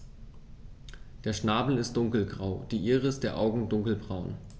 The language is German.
Der Schnabel ist dunkelgrau, die Iris der Augen dunkelbraun.